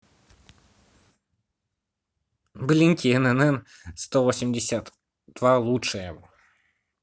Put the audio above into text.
блинки инн сто восемьдесят два лучшее